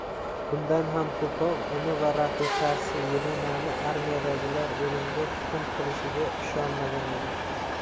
bundan ham ko'proq uni va rafiqasi yelenani armiyadagilar o'limga hukm qilishiga ishonmagan edi